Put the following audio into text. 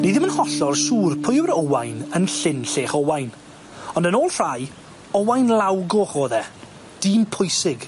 Ni ddim yn hollol siŵr pwy yw'r Owain yn llyn llech Owain, ond yn ôl rhai, Owain law goch o'dd e, dyn pwysig.